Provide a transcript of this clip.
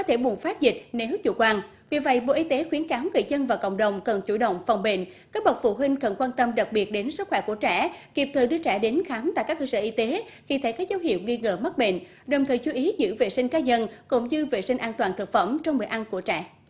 có thể bùng phát dịch nếu chủ quan vì vậy bộ y tế khuyến cáo người dân và cộng đồng cần chủ động phòng bệnh các bậc phụ huynh cần quan tâm đặc biệt đến sức khỏe của trẻ kịp thời đưa trẻ đến khám tại các cơ sở y tế khi thấy các dấu hiệu nghi ngờ mắc bệnh đồng thời chú ý giữ vệ sinh cá nhân cũng như vệ sinh an toàn thực phẩm trong bữa ăn của trẻ